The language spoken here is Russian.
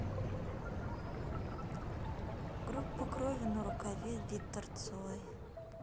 группа крови на рукаве виктор цой